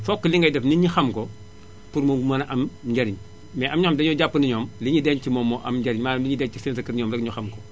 fokk li ngay def nit ñi xam ko pour mu mën a am njariñ mais am na ñoo xm ne dañuy jàpp ne ñoom li ñuy denc moom moo am njariñ maanaam li ñuy denc seen dëkk ñoom rekk ñu xam ko